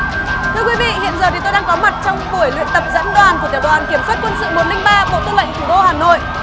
thưa quý vị hiện giờ tôi thì đang có mặt trong buổi luyện tập dẫn đoàn của tiểu đoàn kiểm soát quân sự một linh ba bộ tư lệnh thủ đô hà nội